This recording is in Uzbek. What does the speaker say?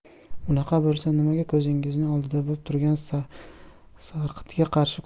unaqa bo'lsa nimaga ko'zingizning oldida bo'p turgan sarqitga qarshi kurashmaysiz